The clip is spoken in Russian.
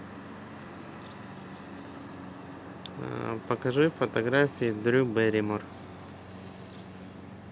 покажи фотографии дрю бэрримор